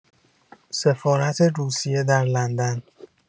سفارت روسیه در لندن